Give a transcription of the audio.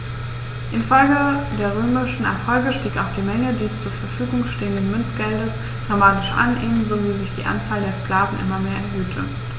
Infolge der römischen Erfolge stieg auch die Menge des zur Verfügung stehenden Münzgeldes dramatisch an, ebenso wie sich die Anzahl der Sklaven immer mehr erhöhte.